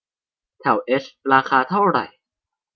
แถวเอชราคาเท่าไหร่